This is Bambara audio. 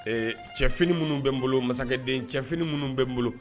Ee cɛ fini minnu bɛ n bolo masakɛden cɛ fini minnu bɛ n bolo